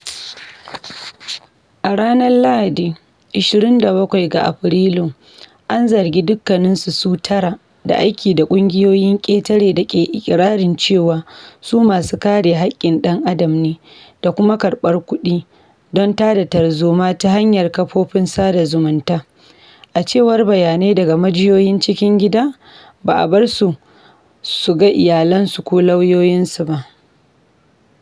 A ranar Lahadi, 27 ga Afrilu, an zargi dukkaninsu su tara da aiki da ƙungiyoyin ƙetare da ke iƙirarin cewa su masu kare haƙƙin ɗan Adam da kumaa karɓar kuɗi don ta da tarzoma ta hanyar kafofin sada zumunta. A cewar bayanai daga majiyoyin cikin gida, ba a bar su, su ga iyalansu ko lauyoyinsu ba.